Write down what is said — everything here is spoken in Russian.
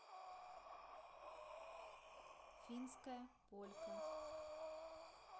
финская полька